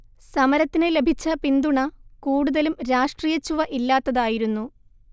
സമരത്തിന് ലഭിച്ച പിന്തുണ കൂടുതലും രാഷ്ട്രീയച്ചുവ ഇല്ലാത്തതായിരുന്നു